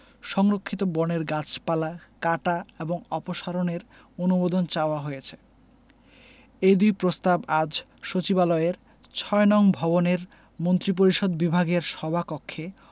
সংরক্ষিত বনের গাছপালা কাটা এবং অপসারণের অনুমোদন চাওয়া হয়েছে এ দুই প্রস্তাব আজ সচিবালয়ের ৬ নং ভবনের মন্ত্রিপরিষদ বিভাগের সভাকক্ষে